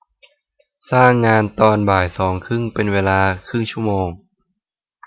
สร้างงานตอนบ่ายสองครึ่งเป็นเวลาครึ่งชั่วโมง